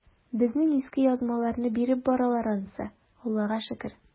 Безнең иске язмаларны биреп баралар ансы, Аллага шөкер.